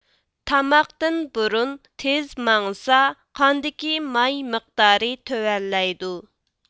تاماقتىن بۇرۇن تېز ماڭسا قاندىكى ماي مىقتارى تۆۋەنلەيدۇ